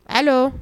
Allo ?